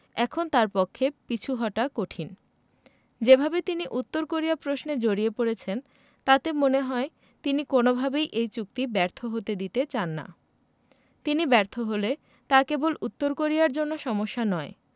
এখন তাঁর পক্ষে পিছু হটা কঠিন যেভাবে তিনি উত্তর কোরিয়া প্রশ্নে জড়িয়ে পড়েছেন তাতে মনে হয় তিনি কোনোভাবেই এই চুক্তি ব্যর্থ হতে দিতে চান না তিনি ব্যর্থ হলে তা কেবল উত্তর কোরিয়ার জন্য সমস্যা নয়